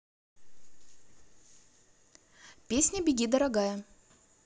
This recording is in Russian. песня беги дорогая